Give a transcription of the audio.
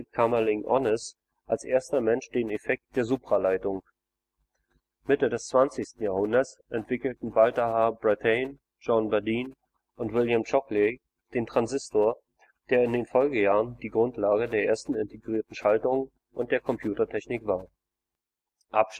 Kamerlingh Onnes als erster Mensch den Effekt der Supraleitung. Mitte des 20. Jahrhunderts entwickelten Walter H. Brattain, John Bardeen und William Shockley den Transistor, der in den Folgejahren die Grundlage der ersten integrierten Schaltungen und der Computertechnik war